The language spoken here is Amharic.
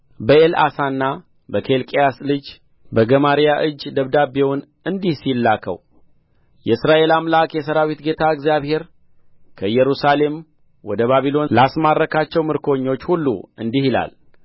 በኤልዓሣና በኬልቅያስ ልጅ በገማርያ እጅ ደብዳቤውን እንዲህ ሲል ላከው የእስራኤል አምላክ የሠራዊት ጌታ እግዚአብሔር ከኢየሩሳሌም ወደ ባቢሎን ላስማረክኋቸው ምርኮኞች ሁሉ እንዲህ ይላል